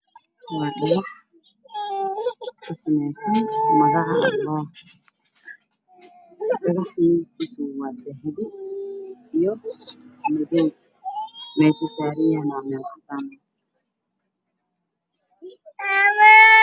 Waa dhagax ka samaysan magaca allaah dhagaxa midabkiisa waa dahabi iyo madow meeshuu saaran yahay waa meel cadaan.